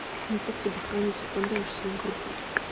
ну как тебе хранитель подавишься игруха